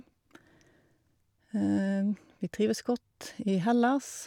Vi trives godt i Hellas.